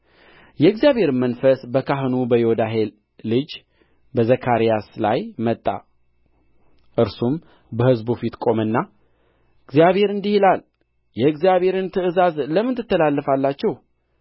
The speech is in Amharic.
የእግዚአብሔርም መንፈስ በካህኑ በዮዳሄ ልጅ በዘካርያስ ላይ መጣ እርሱም በሕዝቡ ፊት ቆመና እግዚአብሔር እንዲህ ይላል የእግዚአብሔርን ትእዛዝ ለምን ትተላለፋላችሁ